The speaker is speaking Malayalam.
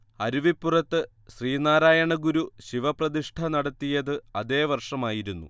അരുവിപ്പുറത്തു ശ്രീനാരായണഗുരു ശിവപ്രതിഷ്ഠ നടത്തിയതു അതേ വർഷമായിരുന്നു